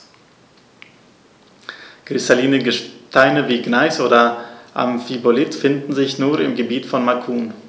Kristalline Gesteine wie Gneis oder Amphibolit finden sich nur im Gebiet von Macun.